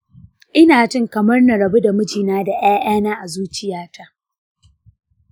ina jin kamar na rabu da mijina da ƴaƴana a zuciyata.